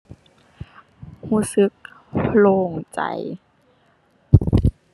รู้สึกโล่งใจ